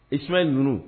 Isuma ninnu